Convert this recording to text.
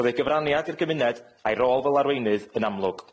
Roedd ei gyfraniad i'r gymuned, a'i rôl fel arweinydd, yn amlwg.